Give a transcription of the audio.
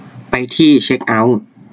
ไปที่เช็คเอ้าท์